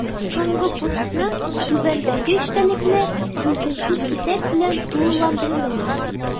Соңгы пунктны түбәндәге эчтәлекле 4 нче кисәк белән тулыландырырга.